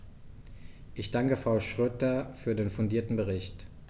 Ich danke Frau Schroedter für den fundierten Bericht.